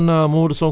waa